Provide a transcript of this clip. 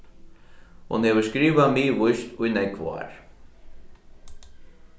hon hevur skrivað miðvíst í nógv ár